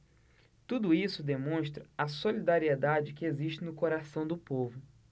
tudo isso demonstra a solidariedade que existe no coração do povo